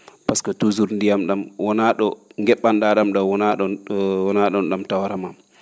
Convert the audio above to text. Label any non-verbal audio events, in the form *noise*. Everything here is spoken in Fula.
par ce que toujours ndiyam ?am wonaa ?o nge??an?aa ?am ?oo wonaa ?oon *hesitation* wonaa ?oon ?am tawara maa